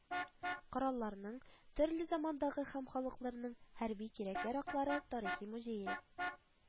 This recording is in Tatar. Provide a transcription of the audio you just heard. Коралларның, төрле замандагы һәм халыкларның хәрби кирәк-яраклары тарихи музее